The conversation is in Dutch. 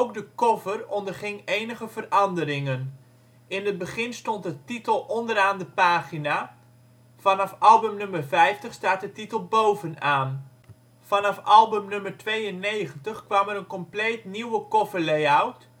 de cover onderging enige veranderingen. In het begin stond de titel onderaan de pagina. Vanaf album nr. 50 staat de titel bovenaan. Vanaf album nr. 92 kwam er een compleet nieuwe coverlay-out: de titel staat